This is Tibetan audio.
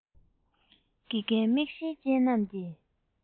དགེ རྒན མིག ཤེལ ཅན རྣམས ཀྱིས